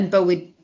...yn bywyd.